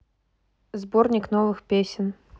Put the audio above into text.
сборник новых песен